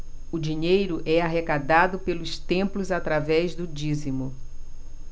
o dinheiro é arrecadado pelos templos através do dízimo